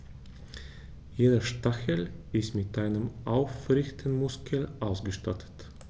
Jeder Stachel ist mit einem Aufrichtemuskel ausgestattet.